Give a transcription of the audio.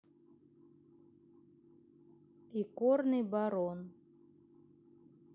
икорный барон